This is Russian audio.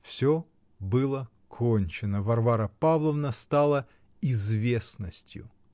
Все было кончено: Варвара Павловна стала "известностью".